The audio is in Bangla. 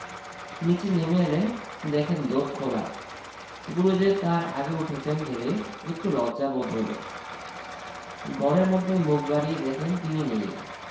নীচে নেমে এলেন দেখেন দোর খোলা গুরুদেব তাঁর আগে উঠেছেন ভেবে একটু লজ্জা বোধ হলো ঘরের মধ্যে মুখ বাড়িয়ে দেখেন তিনি নেই